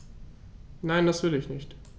Nein, das will ich nicht.